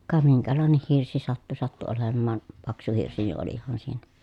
ka minkälainen hirsi sattui sattui olemaan paksu hirsi niin olihan siinä